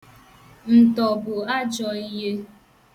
Ntọ bụ ajọ ihe.